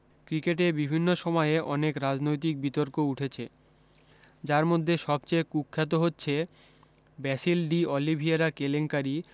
ক্রিকেটে বিভিন্ন সময়ে অনেক রাজনৈতিক বিতর্ক উঠেছে যার মধ্যে সবচেয়ে কুখ্যাত হচ্ছে ব্যাসিল ডি অলিভিয়েরা কেলেঙ্কারি